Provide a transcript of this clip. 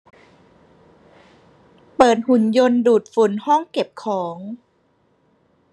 เปิดหุ่นยนต์ดูดฝุ่นห้องเก็บของ